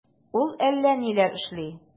Ул әллә ниләр эшли...